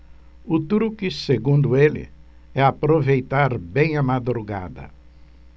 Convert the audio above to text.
o truque segundo ele é aproveitar bem a madrugada